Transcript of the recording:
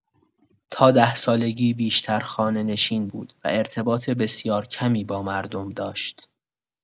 تا ده‌سالگی بیشتر خانه‌نشین بود و ارتباط بسیار کمی با مردم داشت.